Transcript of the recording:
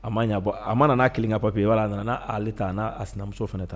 A ma ɲa bɔ a ma n'a kelen ka papi' nana ali ta n'a sinamuso fana tan